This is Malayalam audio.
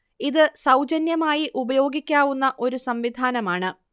ഇത് സൗജന്യമായി ഉപയോഗിക്കാവുന്ന ഒരു സംവിധാനം ആണ്